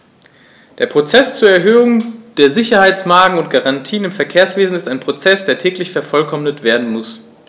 Der Prozess zur Erhöhung der Sicherheitsmargen und -garantien im Verkehrswesen ist ein Prozess, der täglich vervollkommnet werden muss.